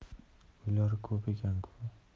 uylari ko'p ekan ku